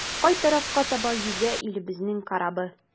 Кай тарафка таба йөзә илебезнең корабы?